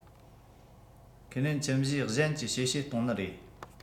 ཁས ལེན ཁྱིམ གཞན གྱིས གཤེ གཤེ གཏོང ནི རེད